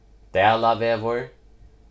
dalavegur